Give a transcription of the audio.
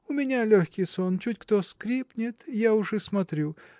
У меня легкий сон: чуть кто скрипнет, я уж и смотрю.